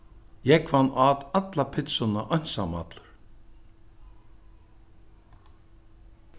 jógvan át alla pitsuna einsamallur